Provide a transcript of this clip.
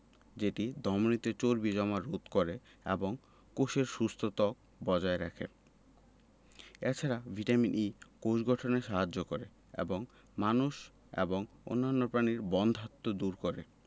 যেটি ধমনিতে চর্বি জমা রোধ করে এবং কোষের সুস্থ ত্বক বজায় রাখে এ ছাড়া ভিটামিন E কোষ গঠনে সাহায্য করে এবং মানুষ এবং অন্যান্য প্রাণীর বন্ধ্যাত্ব দূর করে